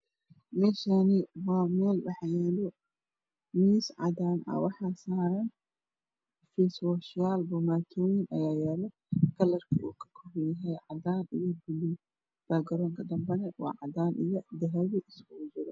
Meshani waa meel waxaa yaalo miis cadaan ah waxaa saaran fiiswooshyaal bomatooyin ayaa yaalo kalarka oo ka kooban yahay cadaan iyo buluug bagaroonka dambe waa cadaan iyo dahabi iskugu jiro